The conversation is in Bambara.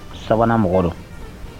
Sabanan mɔgɔ dɔn